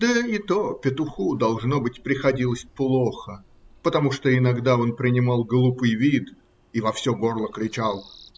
да и то петуху, должно быть, приходилось плохо, потому что иногда он принимал глупый вид и во все горло кричал